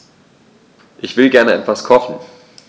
Ich will gerne etwas kochen.